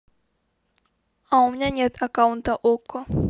а у меня нет аккаунта окко